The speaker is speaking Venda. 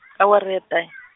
awara ya ta-.